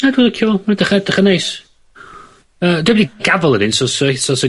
Na dwl lisio nw. Ma' nw 'drych edrych yn neis. Yy dwi'm 'di gafal ar un so so eto so ag